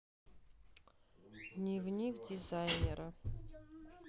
дневник дизайнера